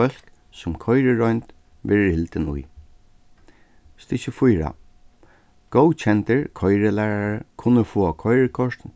bólk sum koyriroynd verður hildin í stykki fýra góðkendir koyrilærarar kunnu fáa koyrikort